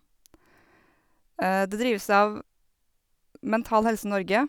Det drives av Mental Helse Norge.